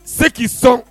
Se k'i sɔn